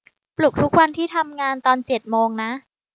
ปลุกทุกวันที่ทำงานตอนเจ็ดโมงนะ